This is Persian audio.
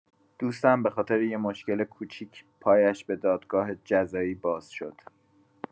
دوستم به‌خاطر یه مشکل کوچیک پایش به دادگاه جزایی باز شد.